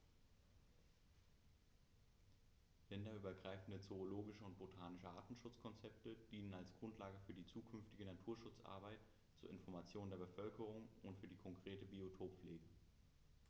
Länderübergreifende zoologische und botanische Artenschutzkonzepte dienen als Grundlage für die zukünftige Naturschutzarbeit, zur Information der Bevölkerung und für die konkrete Biotoppflege.